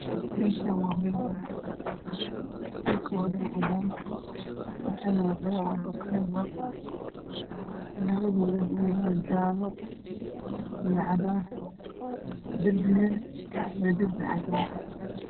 Meshaan waa meel banaan aha dhulka waxaa yala labo kaboo caaga ha waa cadaan kalaradunu ay yahay cadaan iyo jaalo darpigana waa darpi cadaan